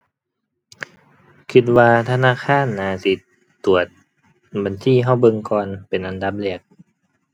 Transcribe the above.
คิดว่าธนาคารน่าสิตรวจบัญชีเราเบิ่งก่อนเป็นอันดับแรก ⁠